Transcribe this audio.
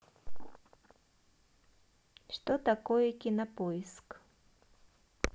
что такое кинопоиск